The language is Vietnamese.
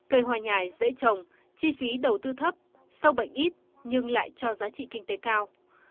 cây hoa nhài dễ trồng chi phí đầu tư thấp sâu bệnh ít nhưng lại cho giá trị kinh tế cao